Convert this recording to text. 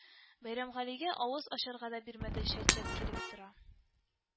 Бәйрәмгалигә авыз ачарга да бирмәде, чәт-чәт килеп тора